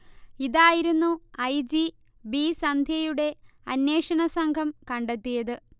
ഇതായിരുന്നു I. G. B. സന്ധ്യയുടെ അന്വേഷണസംഘം കണ്ടത്തിയത്